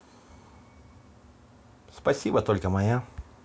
спасибо только моя